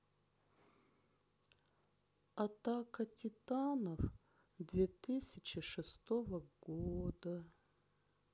атака титанов две тысячи шестого года